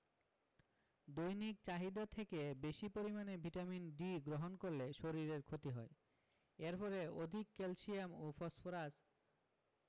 দৈনিক চাহিদা থেকে বেশী পরিমাণে ভিটামিন D গ্রহণ করলে শরীরের ক্ষতি হয় এর ফলে অধিক ক্যালসিয়াম ও ফসফরাস